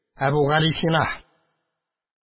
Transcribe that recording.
Әбүгалисина